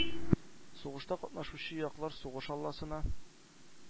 Сугышта катнашучы яклар сугыш алласына